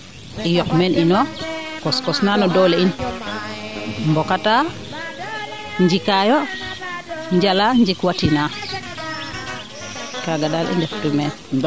i yoq meen ino kos kos naa no doole in mbokataa njikaa yo njala njikwa tinaa kaaga daal i ndeftu meen